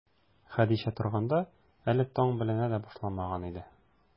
Хәдичә торганда, әле таң беленә дә башламаган иде.